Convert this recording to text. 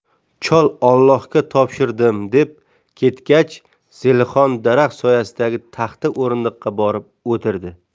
chol ollohga topshirdim deb ketgach zelixon daraxt soyasidagi taxta o'rindiqqa borib o'tirdi